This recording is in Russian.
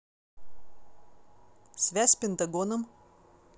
связь с пентагоном